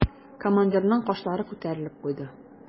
Командирның кашлары күтәрелеп куйды.